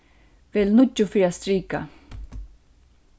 vel níggju fyri at strika